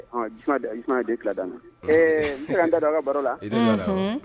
Ɔ jisuma d'a mɔn jisuma in den2 d'a mɔn ; ɛɛ n be se ka n da don aw ka baro la? I da don a la, unhunn.